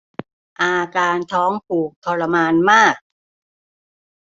อาการท้องผูกทรมานมาก